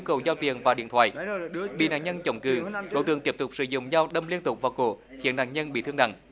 cầu giao tiền và điện thoại bị nạn nhân chống cự đối tượng tiếp tục sử dụng dao đâm liên tục vào cổ khiến nạn nhân bị thương nặng